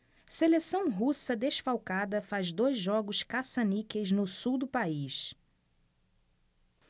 seleção russa desfalcada faz dois jogos caça-níqueis no sul do país